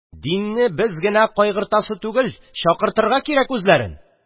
Динне без генә кайгыртасы түгел, чакыртырга кирәк үзләрен!